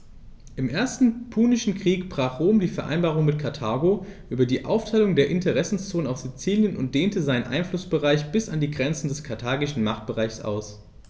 Im Ersten Punischen Krieg brach Rom die Vereinbarung mit Karthago über die Aufteilung der Interessenzonen auf Sizilien und dehnte seinen Einflussbereich bis an die Grenze des karthagischen Machtbereichs aus.